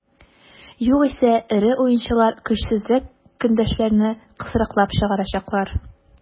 Югыйсә эре уенчылар көчсезрәк көндәшләрне кысрыклап чыгарачаклар.